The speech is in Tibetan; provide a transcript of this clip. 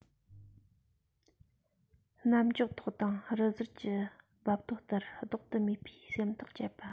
གནམ ལྕགས ཐོག དང རི གཟར གྱི རྦབ རྡོ ལྟར བཟློག ཏུ མེད པའི སེམས ཐག བཅད པ